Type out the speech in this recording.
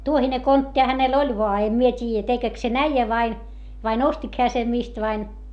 tuohinen kontti hänellä oli vaan en minä tiedä tekeekö sen äijä vai vai ostiko hän sen mistä vai